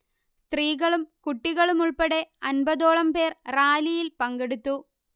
സ്ത്രീകളും കുട്ടികളും ഉൾപ്പെടെ അമ്പതോളം പേർ റാലിയിൽ പങ്കെടുത്തു